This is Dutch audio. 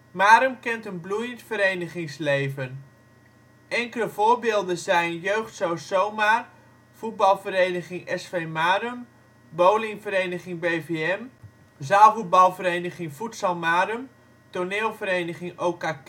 Marum kent een bloeiend verenigingsleven. Enkele voorbeelden zijn Jeugdsoos SomaAr, voetbalvereniging S.V. Marum, bowlingvereniging BVM, zaalvoetbalvereniging Futsal Marum, toneelvereniging O.K.K.